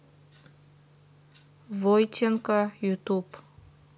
войтенко ютуб